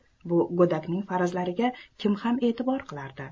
bu go'dak ning farazlariga kim ham e'tibor qilardi